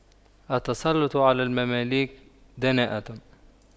التسلُّطُ على المماليك دناءة